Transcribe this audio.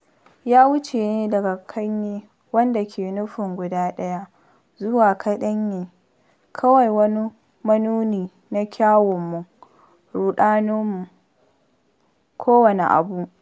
Ya wuce ne daga Kanye, wanda ke nufin guda ɗaya, zuwa kaɗai Ye - kawai wani manuni na kyawunmu, ruɗaninmu, kowane abu.